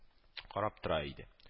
Карап тора иде